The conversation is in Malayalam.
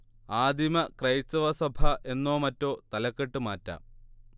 ആദിമ ക്രൈസ്തവ സഭ എന്നോ മറ്റോ തലക്കെട്ട് മാറ്റാം